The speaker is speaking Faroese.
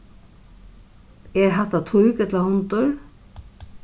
er hatta tík ella hundur